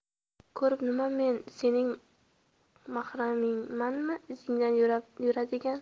ko'rib nima men sening mahramingmanmi izingdan yuradigan